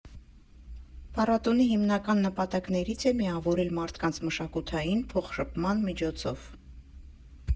Փառատոնի հիմնական նպատակներից է միավորել մարդկանց մշակութային փոխշփման միջոցով։